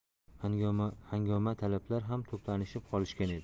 hangomatalablar ham to'planishib qolishgan edi